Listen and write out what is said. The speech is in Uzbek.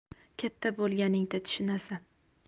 katta bo'lganingda tushunasan